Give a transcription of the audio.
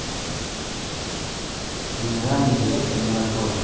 генеральный директор мираторга